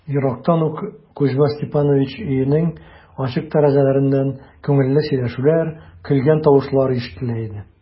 Ерактан ук Кузьма Степанович өенең ачык тәрәзәләреннән күңелле сөйләшүләр, көлгән тавышлар ишетелә иде.